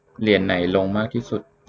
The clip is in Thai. เหรียญไหนลงมากที่สุด